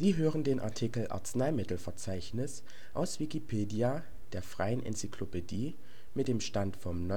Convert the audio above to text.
hören den Artikel Arzneimittelverzeichnis, aus Wikipedia, der freien Enzyklopädie. Mit dem Stand vom